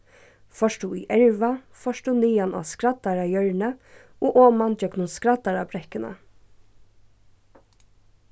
fórt tú í erva fórt tú niðan á skraddarahjørnið og oman gjøgnum skraddarabrekkuna